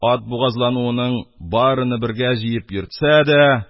Ат бугазлануның барыны бергә җыеп йөртсә дә